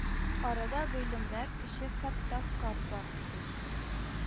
Арада гыйлемрәк кеше Фәттах карт бар иде: